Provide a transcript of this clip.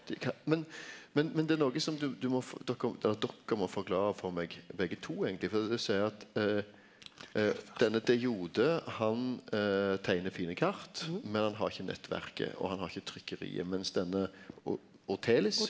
dei men men men det er noko som du du må dokker eller dokker må forklara for meg begge to eigentleg, fordi du seier at denne de Jode han teiknar fine kart, men han har ikkje nettverket og han har ikkje trykkeriet, mens denne Ortelis.